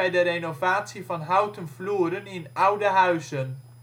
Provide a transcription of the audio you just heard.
de renovatie van houten vloeren in oude huizen